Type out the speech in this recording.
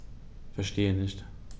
Verstehe nicht.